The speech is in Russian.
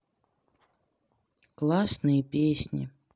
классные песни